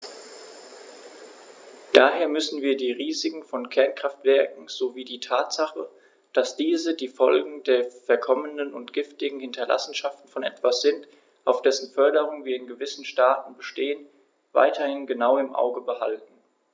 Daher müssen wir die Risiken von Kernkraftwerken sowie die Tatsache, dass diese die Folgen der verkommenen und giftigen Hinterlassenschaften von etwas sind, auf dessen Förderung wir in gewissen Staaten bestehen, weiterhin genau im Auge behalten.